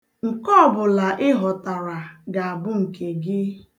Nke ọbụla ịhọtara ga-abụ nke gị.